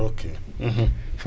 ok